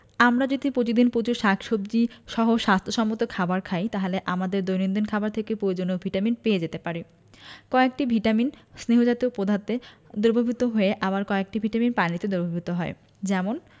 আমরা যদি পতিদিন প্রচুর শাকসবজী সহ স্বাস্থ্য সম্মত খাবার খাই তাহলে আমাদের দৈনন্দিন খাবার থেকেই পয়োজনীয় ভিটামিন পেয়ে যেতে পারি কয়েকটি ভিটামিন স্নেহ জাতীয় পদার্থে দ্রবীভূতয়য়ে আবার কয়েকটি ভিটামিন পানিতে দ্রবীভূত হয় যেমন